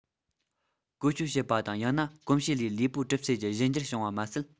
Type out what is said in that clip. བཀོལ སྤྱོད བྱེད པ དང ཡང ན གོམས གཤིས ལས ལུས པོའི གྲུབ ཚུལ གྱི གཞན འགྱུར བྱུང བ མ ཟད